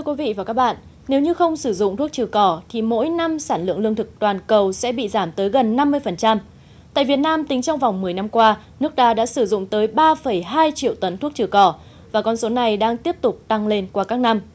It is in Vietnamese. quý vị và các bạn nếu như không sử dụng thuốc trừ cỏ thì mỗi năm sản lượng lương thực toàn cầu sẽ bị giảm tới gần năm mươi phần trăm tại việt nam tính trong vòng mười năm qua nước ta đã sử dụng tới ba phẩy hai triệu tấn thuốc trừ cỏ và con số này đang tiếp tục tăng lên qua các năm